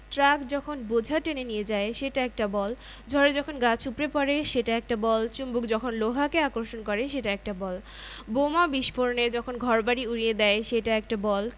truck যখন বোঝা টেনে নিয়ে যায় সেটা একটা বল ঝড়ে যখন গাছ উপড়ে পড়ে সেটা একটা বল চুম্বক যখন লোহাকে আকর্ষণ করে সেটা একটা বল বোমা বিস্ফোরণে যখন ঘরবাড়ি উড়িয়ে দেয় সেটা একটা বল